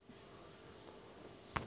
кто такая алла пугачева